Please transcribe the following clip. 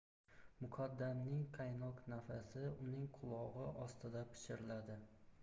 muqaddamning qaynoq nafasi uning qulog'i ostida pichirladi